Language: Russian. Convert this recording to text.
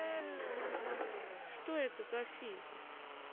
что это за фильм